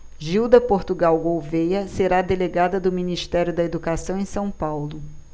gilda portugal gouvêa será delegada do ministério da educação em são paulo